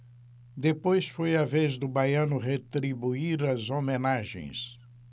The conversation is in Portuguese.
depois foi a vez do baiano retribuir as homenagens